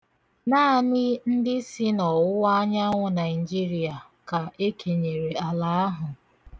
Naanị ndị si n'ọwụwaanyanwụ Naịjirịa ka ekenyere ala ahụ.